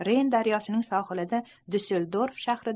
reyn daryosining sohilida dyussel'dorf shahrida